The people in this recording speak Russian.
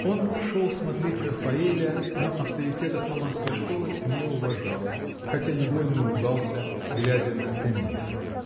Он шел смотреть Рафаэля, но авторитета фламандской школы не уважал, хотя невольно улыбался, глядя на Теньера.